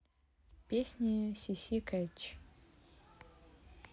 песни cc catch